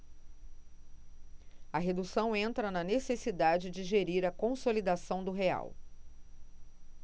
a redução entra na necessidade de gerir a consolidação do real